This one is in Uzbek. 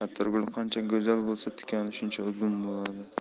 atirgul qancha go'zal bo'lsa tikoni shuncha uzun bo'ladi